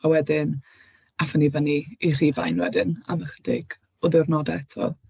A wedyn aethon ni fyny i Rhufain wedyn am ychydig o ddiwrnodau eto.